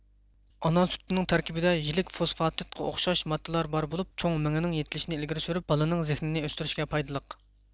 ئانا سۈتىنىڭ تەركىبىدە يىلىك فوسفاتىدقا ئوخشاش ماددىلار بار بولۇپ چوڭ مېڭىنىڭ يېتىلىشىنى ئىلگىرى سۈرۇپ بالىنىڭ زېھنىنى ئۆستۈرۈشكە پايدىلىق